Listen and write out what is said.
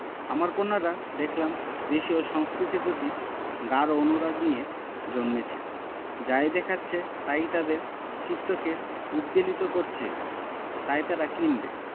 আমার কন্যারা দেখলাম দেশীয় সংস্কৃতির প্রতি গাঢ় অনুরাগ নিয়ে জন্মেছে যাই দেখাচ্ছে তাই তাদের চিত্তকে উদ্বেলিত করছে তাই তারা কিনবে